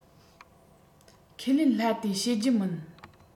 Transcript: ཁས ལེན སླ དེ བཤད རྒྱུ མིན